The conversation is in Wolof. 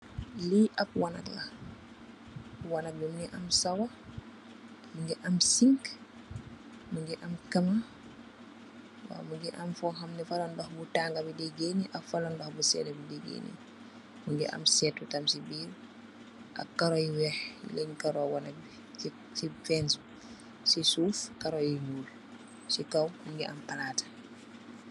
li app wanak la wanak bi Mungi am shower mungi am sink Mungi am kaama Waw Mungi am fohamanteh neh faala ndoh bu tanga bi dey geneh ak faala ndoh bu seeda bi dey geneh Mungi am seetu tamit sey birr ak karro yu weih lenj karro wanak bi sey fence bi sey suuf karro yu nyuul sey kaw Mungi am palat.